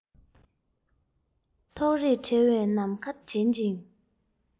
ཐོགས རེག བྲལ བའི ནམ མཁའ དྲན ཅིང